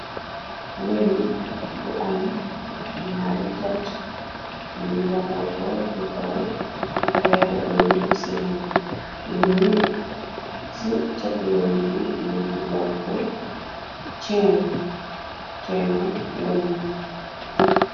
weñ gu am ñyaari chat li lonko ko ci kaw xeer wëñ ci mo wuru ci cak wen gi li ci lonko ceeno weñ